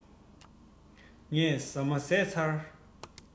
ངས ཟ མ བཟས ཚར